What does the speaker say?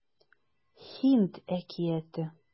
Һинд әкияте